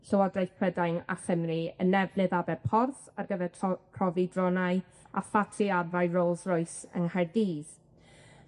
Llywodraeth Prydain a Chymru yn nefnydd Aber Porth ar gyfer tro- profi dronau, a ffatri arfau Rolls-Roys yng Nghaerdydd.